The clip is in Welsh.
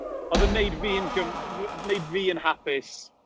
Oedd yn wneud fi'n gym- f-... wneud fi yn hapus...